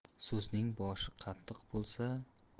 so'zning boshi qattiq